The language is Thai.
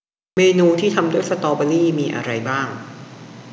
เมนูที่ทำด้วยสตอเบอร์รี่มีอะไรบ้าง